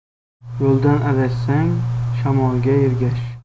yo'ldan adashsang shamolga ergash